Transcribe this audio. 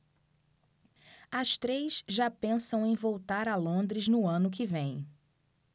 as três já pensam em voltar a londres no ano que vem